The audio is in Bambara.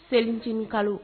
Selincinin kalo